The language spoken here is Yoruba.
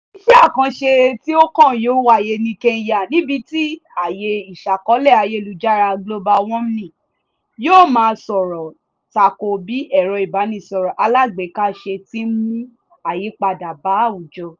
Iṣẹ́ àkànṣe tí ó kán yóò wáyé ní Kenya, níbi tí àyè ìṣàkọọ́lẹ̀ ayélujára Global Warming yóò máa sọ̀rọ̀ tako bí ẹ̀rọ ìbánisọ̀rọ̀ alágbèéká ṣe ti ń mú àyípadà bá àwùjọ.